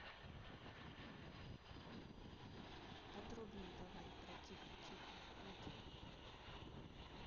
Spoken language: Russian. подробнее давай про тихо тихо нет